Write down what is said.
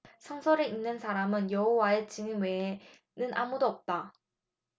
성서를 읽는 사람은 여호와의 증인 외에는 아무도 없다